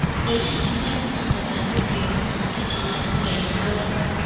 nếu chỉ chăm chăm nhìn vào giá cổ phiếu thì chỉ là một kẻ đầu cơ